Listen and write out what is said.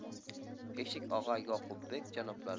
eshik og'a yoqubbek janoblari